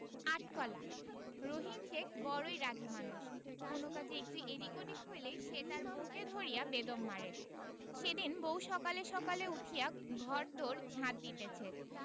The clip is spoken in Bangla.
আট কলা রহিম শেখ বড়ই রাগী মানুষ কোনো কাজে একটু এদিক ওদিক হইলেই সে তার বউকে ধরিয়া বেদম মারে সেদিন বউ সকালে সকালে উঠিয়া ঘর দোর ঝাট দিতেছে